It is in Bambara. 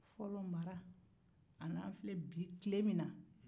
fɔlɔ mara ani an filɛ bi tile min na